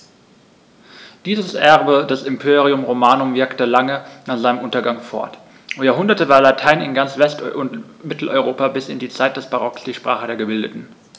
Dieses Erbe des Imperium Romanum wirkte lange nach seinem Untergang fort: Über Jahrhunderte war Latein in ganz West- und Mitteleuropa bis in die Zeit des Barock die Sprache der Gebildeten.